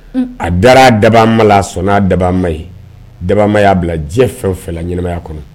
A da dabama la a sɔnna'a dabama ye dabama y'a bila diɲɛ fɛn fɛ ɲɛnaya kɔnɔ